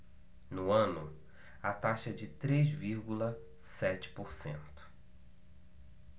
no ano a taxa é de três vírgula sete por cento